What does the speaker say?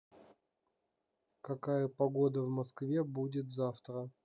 какая погода в москве будет завтра